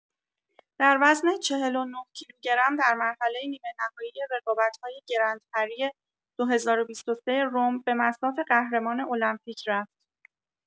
در وزن ۴۹ - کیلوگرم، در مرحله نیمه‌نهایی رقابت‌های گرندپری ۲۰۲۳ رم به مصاف قهرمان المپیک رفت.